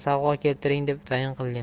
savg'o keltiring deb tayin qilgan